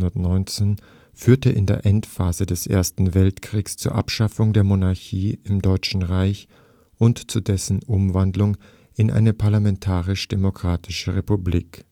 / 19 führte in der Endphase des Ersten Weltkrieges zur Abschaffung der Monarchie im Deutschen Reich und zu dessen Umwandlung in eine parlamentarisch-demokratische Republik